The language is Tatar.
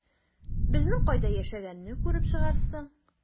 Безнең кайда яшәгәнне күреп чыгарсың...